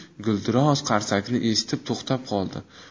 gulduros qarsakni eshitib to'xtab qoldi